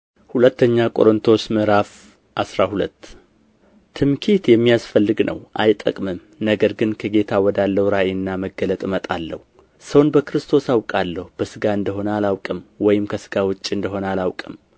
ሁለተኛ ቆሮንቶስ ምዕራፍ አስራ ሁለት ትምክህት የሚያስፈልግ ነው አይጠቅምም ነገር ግን ከጌታ ወዳለው ራእይና መገለጥ እመጣለሁ ሰውን በክርስቶስ አውቃለሁ በሥጋ እንደ ሆነ አላውቅም ወይም ከሥጋ ውጭ እንደ ሆነ አላውቅም